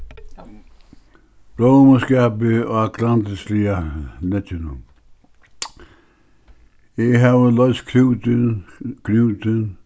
blómuskapið á klantrasliga legginum eg havi loyst